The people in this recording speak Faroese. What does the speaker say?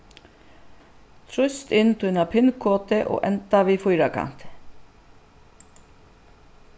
trýst inn tína pin-kodu og enda við fýrakanti